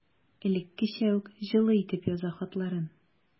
Элеккечә үк җылы итеп яза хатларын.